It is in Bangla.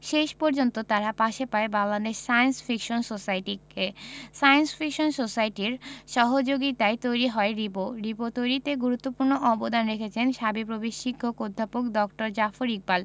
শেষ পর্যন্ত তারা পাশে পায় বাংলাদেশ সায়েন্স ফিকশন সোসাইটিকে সায়েন্স ফিকশন সোসাইটির সহযোগিতায়ই তৈরি হয় রিবো রিবো তৈরিতে গুরুত্বপূর্ণ অবদান রেখেছেন শাবিপ্রবির শিক্ষক অধ্যাপক ড জাফর ইকবাল